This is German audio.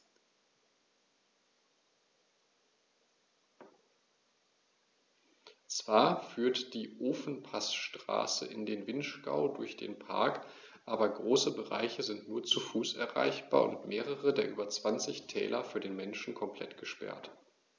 Zwar führt die Ofenpassstraße in den Vinschgau durch den Park, aber große Bereiche sind nur zu Fuß erreichbar und mehrere der über 20 Täler für den Menschen komplett gesperrt.